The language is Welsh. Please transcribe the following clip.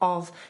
o'dd